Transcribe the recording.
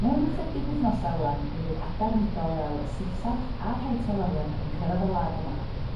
Mewn ryw chydig wythnosa 'wan mi fydd adar mudol fel y siffsaff a'r haitalorion yn cyrradd y wlad yma